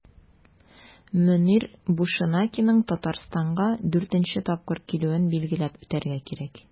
Мөнир Бушенакиның Татарстанга 4 нче тапкыр килүен билгеләп үтәргә кирәк.